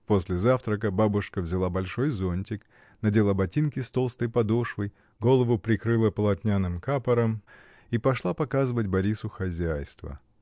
После завтрака бабушка взяла большой зонтик, надела ботинки с толстой подошвой, голову прикрыла полотняным капором и пошла показывать Борису хозяйство.